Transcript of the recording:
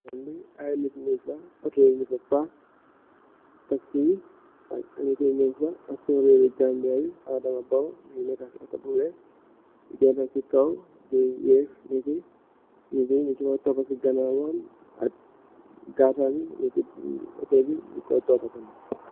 Li ai nit nyung fa. Auto yi nyung fa pac taxiyi ak neti nyung fa ak serer ri Gambia bi adama barrow mugi neka si auto bu wheh gena si kaw di wave neti, neti nyu gi torpa si ganaw wam ak guard tam nyung si auto diko torpa tamit.